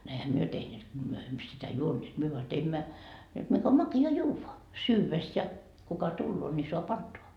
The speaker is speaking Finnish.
ne eihän me tehneet kun me emme sitä juoneet me vain teimme jotta mikä on makea juoda syödessä ja kuka tulee niin saa antaa